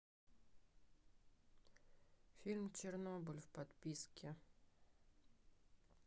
фильм чернобыль в подписке